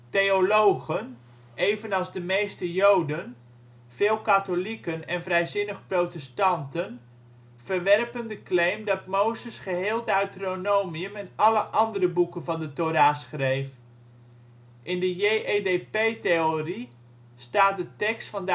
Theologen, evenals de meeste Joden, veel katholieken en vrijzinnig protestanten, verwerpen de claim dat Mozes geheel Deuteronomium en alle andere boeken van de Thora schreef. In de JEDP-theorie staat de tekst van